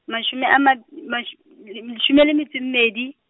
mashome a ma- , mash- leshome le metso e mmedi.